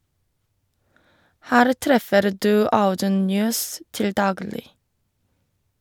Her treffer du Audun Njøs til daglig.